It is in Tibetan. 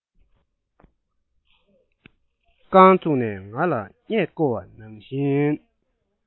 རྐང བཙུགས ནས ང ལ བརྙད བརྐོ བ ནང བཞིན